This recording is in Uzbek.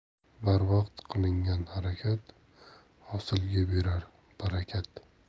barvaqt qilingan harakat hosilga berar barakat